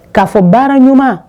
K'a fɔ baara ɲuman